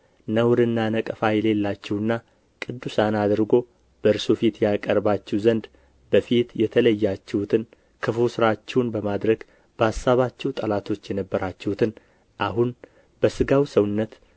ነውርና ነቀፋ የሌላችሁና ቅዱሳን አድርጎ በእርሱ ፊት ያቀርባችሁ ዘንድ በፊት የተለያችሁትን ክፉ ሥራችሁንም በማድረግ በአሳባችሁ ጠላቶች የነበራችሁትን አሁን በሥጋው ሰውነት